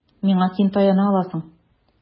Миңа син таяна аласың.